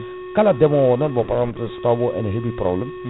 kala deemowo noon so tawi bon heɓi mo pa*so taw bon ene heeɓi probléme